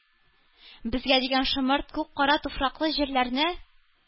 Безгә дигән шомырт күк кара туфраклы җирләрне,